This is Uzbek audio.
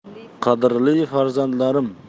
qadrli farzandlarim